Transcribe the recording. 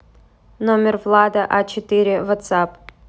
номер влада а четыре ватсапп